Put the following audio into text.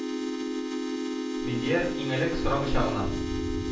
Миндияр, иң элек, сорамыйча гына,